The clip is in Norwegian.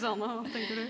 Susanna hva tenker du?